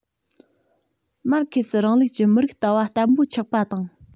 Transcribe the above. མར ཁེ སི རིང ལུགས ཀྱི མི རིགས ལྟ བ བརྟན པོ ཆགས པ དང